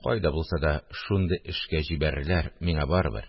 Кайда булса да шундый эшкә җибәрерләр, миңа барыбер